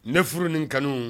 Ne furu nin kanu